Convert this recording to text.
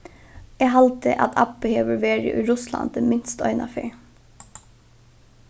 eg haldi at abbi hevur verið í russlandi minst eina ferð